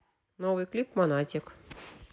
новый клип монатик